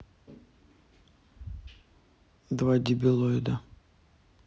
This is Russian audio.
два дибилоида